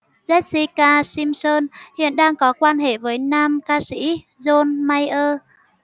jessica simpson hiện đang có quan hệ với nam ca sĩ john mayer